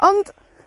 Ond,